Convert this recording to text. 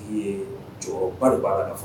Li ye jɔyɔrɔba de b'a la nɔ fɛ